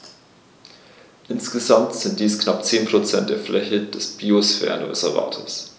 Insgesamt sind dies knapp 10 % der Fläche des Biosphärenreservates.